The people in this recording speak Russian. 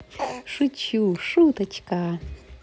шучу шуточка